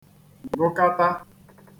gụkatā